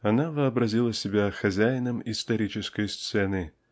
Она вообразила себя хозяином исторической сцены